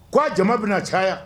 K koa jama bɛna na caya